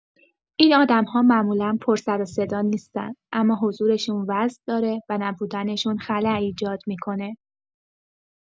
این آدم‌ها معمولا پر سر و صدا نیستن، اما حضورشون وزن داره و نبودنشون خلأ ایجاد می‌کنه.